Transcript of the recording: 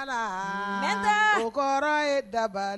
Ne tɛ kɔrɔ ye da